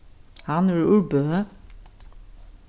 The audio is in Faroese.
hann er úr bø